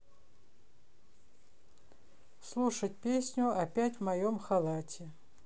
слушать песню опять в моем халате